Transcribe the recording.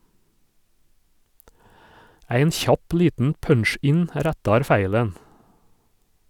Ein kjapp liten punch-in rettar feilen.